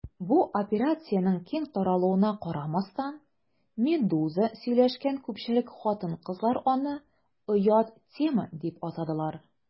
Бу операциянең киң таралуына карамастан, «Медуза» сөйләшкән күпчелек хатын-кызлар аны «оят тема» дип атадылар.